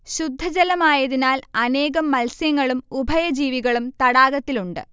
ശുദ്ധജലമായതിനാൽ അനേകം മത്സ്യങ്ങളും ഉഭയ ജീവികളും തടാകത്തിലുണ്ട്